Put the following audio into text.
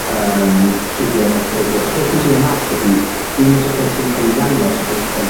yym cuddio ... Rili pwysig efo maps ydi dim be' sy' 'di ca'l 'i ddangos on' be' sy ca'l 'i